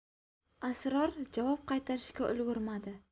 asror javob qaytarishga ulgurmadi